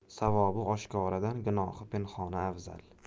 savobi oshkoradan gunohi pinhona afzal